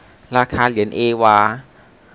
ราคาเหรียญเอวา